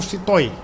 door a mat